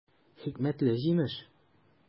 Хикмәтле җимеш!